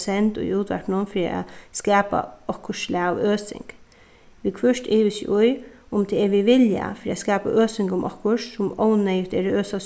send í útvarpinum fyri at skapa okkurt slag av øsing viðhvørt ivist eg í um tað er við vilja fyri at skapa øsing um okkurt sum óneyðugt er at øsa